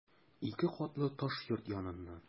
Ике катлы таш йорт яныннан...